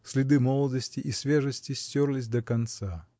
Следы молодости и свежести стерлись до конца.